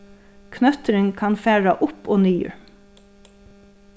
knøtturin kann fara upp og niður